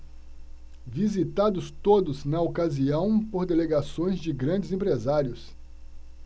visitados todos na ocasião por delegações de grandes empresários